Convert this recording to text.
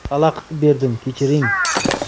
xalaqit berdim kechiring